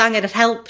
...angen yr help